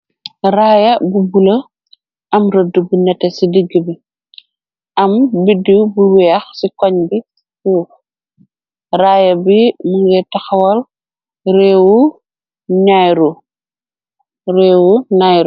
raaya bu bula am rëdd bu nete ci digg bi am biddiw bu weex ci koñ bi fuuf raaya bi mu ngir taxawal réewu nayru